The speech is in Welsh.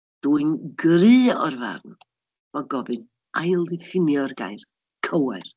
Dwi'n gry o'r farn bod gofyn ail-ddiffinio'r gair cywair.